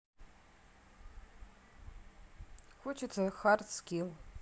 хочется hard скил